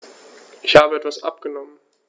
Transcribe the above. Ich habe etwas abgenommen.